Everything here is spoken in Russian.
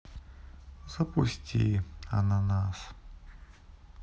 запусти ананас